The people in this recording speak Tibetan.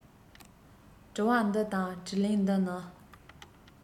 དྲི བ འདི དང དྲིས ལན འདི ནི